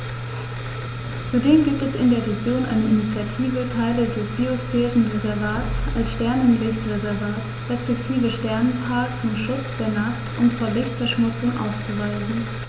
Zudem gibt es in der Region eine Initiative, Teile des Biosphärenreservats als Sternenlicht-Reservat respektive Sternenpark zum Schutz der Nacht und vor Lichtverschmutzung auszuweisen.